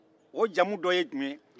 o jamu dɔ ye jumɛn ye